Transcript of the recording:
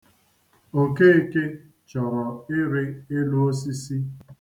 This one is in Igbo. Okeke chọrọ ịrị elu osisi.